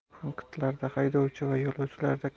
punktlarda haydovchi va yo'lovchilarda